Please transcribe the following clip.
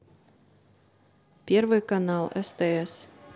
первый канал стс